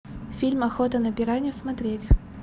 фильм охота на пиранью смотреть